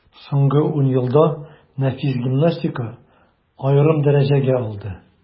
Соңгы ун елда нәфис гимнастика аерым дәрәҗәгә алды.